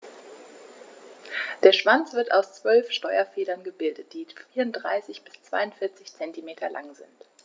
Der Schwanz wird aus 12 Steuerfedern gebildet, die 34 bis 42 cm lang sind.